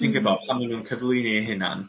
ti'n gyno pan ma' nw'n cyflwyni eu hunan